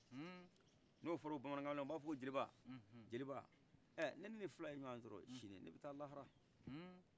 n'o fɔr'o bamanankɛkamale ye o ba fɔ ko jelibe jeliba ɛ ni ne ni fila ye ɔjɔgɔn sɔrɔ ɛ ne bi ta lahara